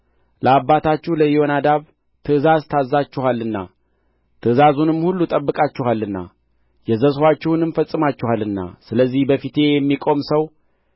ለአባታችሁ ለኢዮናዳብ ትእዛዝ ታዝዛችኋልና ትእዛዙንም ሁሉ ጠብቃችኋልና ያዘዛችሁንም ፈጽማችኋልና ስለዚህ በፊቴ የሚቆም ሰው